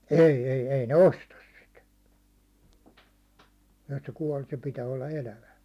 ei ei ei ne osta sitä että se - se pitää olla elävä